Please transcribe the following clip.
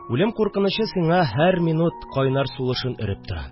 Үлем куркынычы сиңа һәр минут кайнар сулышын өреп тора